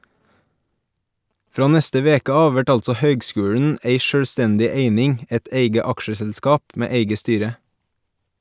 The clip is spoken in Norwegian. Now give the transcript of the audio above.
Frå neste veke av vert altså høgskulen ei sjølvstendig eining , eit eige aksjeselskap med eige styre.